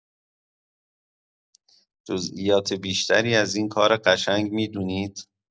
جزئیات بیشتری از این کار قشنگ می‌دونید؟